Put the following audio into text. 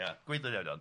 Ie gwaedlyd iawn iawn.